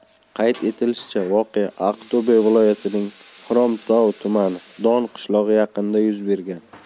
qayd etilishicha voqea aqto'be viloyatining xromtau tumani don qishlog'i yaqinida yuz bergan